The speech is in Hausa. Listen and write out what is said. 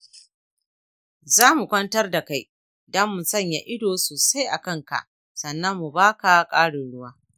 zamu kwantar da kai don mu sanya ido sosai a kanka sannan mu ba ka ƙarin ruwa.